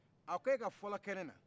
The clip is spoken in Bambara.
a ko e ka fɔlɔ kɛnena